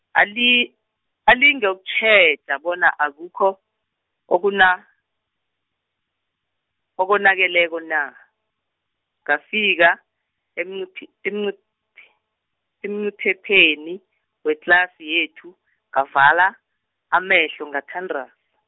ali- alinge ukutjheja bona akukho, okuna-, okonakeleko na, ngafika emqiphi- emqiph-, emqiphephepheni wetlasi yethu, ngavala, amehlo ngathandaza.